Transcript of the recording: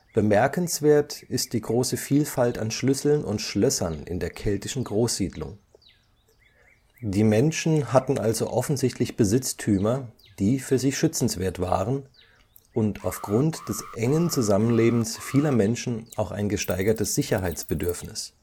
Bemerkenswert ist die große Vielfalt an Schlüsseln und Schlössern in der keltischen Großsiedlung. Die Menschen hatten also offensichtlich Besitztümer, die für sie schützenswert waren, und auf Grund des engen Zusammenlebens vieler Menschen auch ein gesteigertes Sicherheitsbedürfnis